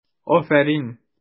Афәрин!